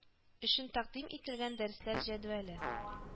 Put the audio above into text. Өчен тәкъдим ителгән дәресләр җәдвәле